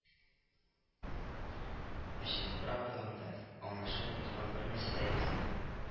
Ә чынлабрак уйлаганда, аңлашылмый торган бернәрсә дә юк монда